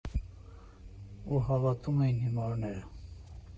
Ու հավատում էին հիմարները»։